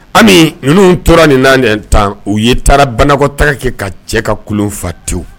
Hali ninnu tora nin na tan u ye taara banakɔtaa kɛ ka cɛ ka kolon fa tewu